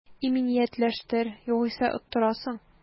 Иминиятләштер, югыйсә оттырасың